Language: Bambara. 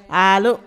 Haa